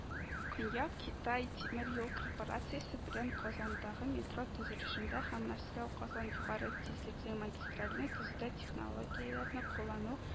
Көньяк Кытай тимер юл корпорациясе белән Казандагы метро төзелешендә һәм “Мәскәү - Казан” югары тизлекле магистральны төзүдә технологияләрне куллану